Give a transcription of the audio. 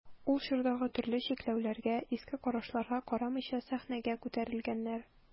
Ул чордагы төрле чикләүләргә, иске карашларга карамыйча сәхнәгә күтәрелгәннәр.